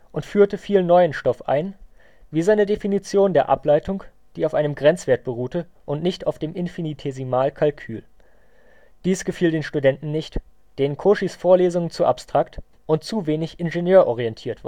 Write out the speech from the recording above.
und führte viel neuen Stoff ein, wie seine neue Definition der Ableitung, die auf einem Grenzwert beruhte und nicht auf dem Infinitesimalkalkül. Dies gefiel den Studenten nicht, denen Cauchys Vorlesungen zu abstrakt und zu wenig ingenieurorientiert